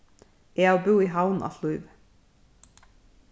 eg havi búð í havn alt lívið